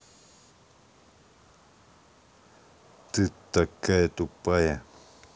ты такая тупая